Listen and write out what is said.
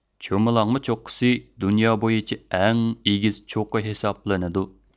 چومۇلاڭما چوققىسى دۇنيا بويىچە ئەڭ ئېگىز چوققا ھېسابلىنىدۇ